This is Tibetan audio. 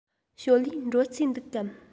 ཞའོ ལིའི འགྲོ རྩིས འདུག གམ